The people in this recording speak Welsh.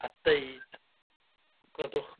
a deud gwrandwch